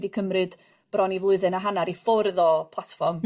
'di cymryd bron i flwyddyn a hanner i ffwrdd o platfform...